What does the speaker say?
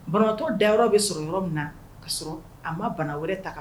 Bantɔ da yɔrɔ bɛ sɔrɔ yɔrɔ min na ka sɔrɔ a ma bana wɛrɛ ta